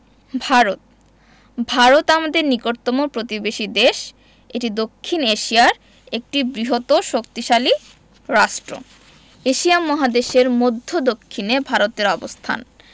ভারত ভারত আমাদের নিকটতম প্রতিবেশী দেশ এটি দক্ষিন এশিয়ার একটি বৃহৎও শক্তিশালী রাষ্ট্র এশিয়া মহাদেশের মদ্ধ্যদক্ষিনে ভারতের অবস্থান